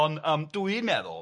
On' yym dwi'n meddwl